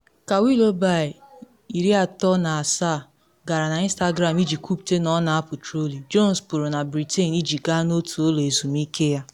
Ka Willoughby, 37, gara na Instagram iji kwupute na ọ na apụ Truly, Jones pụrụ na Britain iji gaa n’otu ụlọ ezumike ya.